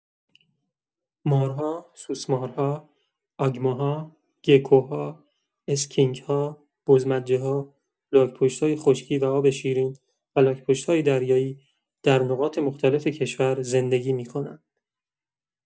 مارها، سوسمارها، آگاماها، گکوها، اسکینک‌ها، بزمجه‌ها، لاک‌پشت‌های خشکی و آب شیرین و لاک‌پشت‌های دریایی در نقاط مختلف کشور زندگی می‌کنند.